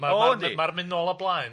O yndi. Ma'r ma' ma'r ma'r mynd nôl a blaen.